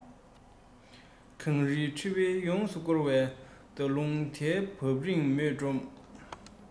གངས རིའི འཕྲེང བས ཡོངས སུ བསྐོར བའི ཟླ ཀླུང དལ འབབ རིང མོས འགྲམ